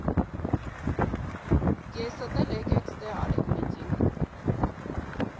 Կեսդ էլ էկեք ստե արեք միտինգ։